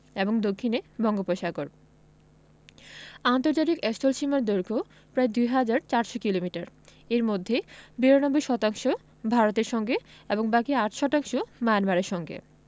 এবং দক্ষিণে বঙ্গোপসাগর আন্তর্জাতিক স্থলসীমার দৈর্ঘ্য প্রায় ২হাজার ৪০০ কিলোমিটার এর মধ্যে ৯২ শতাংশ ভারতের সঙ্গে এবং বাকি ৮ শতাংশ মায়ানমারের সঙ্গে